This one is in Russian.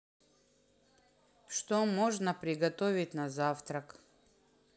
что можно приготовить на завтрак